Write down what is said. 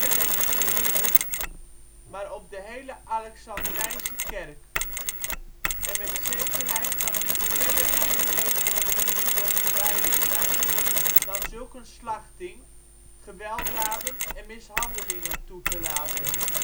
alleen op Cyrillus maar op de hele Alexandrijnse kerk. En met zekerheid kan niks verder van de geest van het christendom verwijderd zijn dan zulk een slachting, gewelddaden en mishandelingen toe te laten